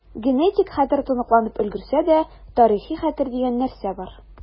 Генетик хәтер тоныкланып өлгерсә дә, тарихи хәтер дигән нәрсә бар.